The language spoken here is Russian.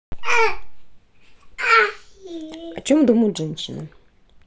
о чем думают женщины